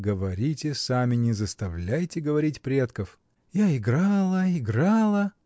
говорите сами, не заставляйте говорить предков. — Я играла, играла.